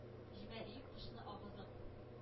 Җибәриек кышны агызып.